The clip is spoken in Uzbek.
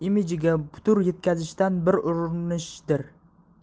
imijiga putur yetkazishga bir urinishdir